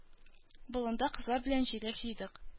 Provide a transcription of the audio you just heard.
Болында кызлар белән җиләк җыйдык.